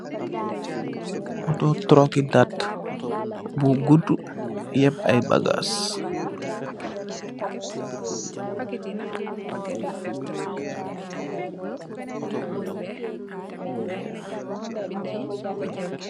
Auto trucke dat bu goudu yeb aye bagass.